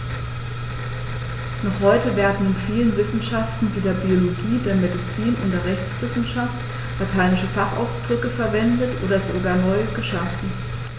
Noch heute werden in vielen Wissenschaften wie der Biologie, der Medizin und der Rechtswissenschaft lateinische Fachausdrücke verwendet und sogar neu geschaffen.